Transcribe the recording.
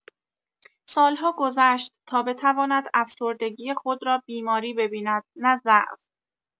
سال‌ها گذشت تا بتواند افسردگی خود را بیماری ببیند نه ضعف.